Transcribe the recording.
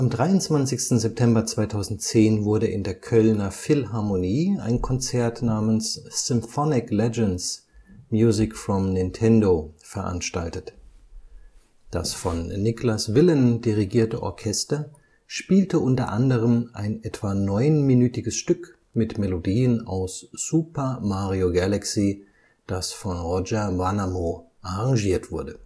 23. September 2010 wurde in der Kölner Philharmonie ein Konzert namens Symphonic Legends – Music from Nintendo veranstaltet. Das von Niklas Willén dirigierte Orchester spielte unter anderem ein etwa neunminütiges Stück mit Melodien aus Super Mario Galaxy, das von Roger Wanamo arrangiert wurde